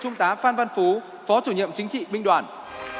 trung tá phan văn phú phó chủ nhiệm chính trị binh đoàn